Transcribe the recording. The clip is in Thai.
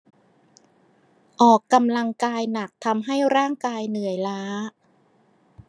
ออกกำลังกายหนักทำให้ร่างกายเหนื่อยล้า